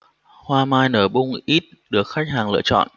hoa mai nở bung ít được khách hàng lựa chọn